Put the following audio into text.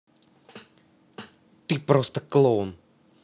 ты просто клоун